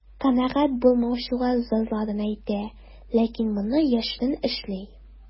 Канәгать булмаучылар зарларын әйтә, ләкин моны яшерен эшли.